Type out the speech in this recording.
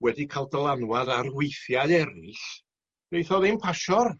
wedi ca'l dylanwad ar weithiau erill naeth o ddim pasio'r